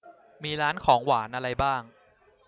มีร้านของหวานอะไรบ้าง